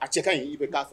A cɛ ka ɲi i bɛ k'a fɛ